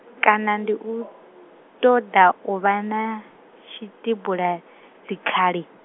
kana ndi u ṱoḓa u vha na, tshi tibula, dzikhali.